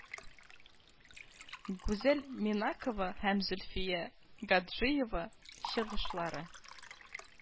Гүзәл Минакова һәм Зөлфия Гаджиева чыгышлары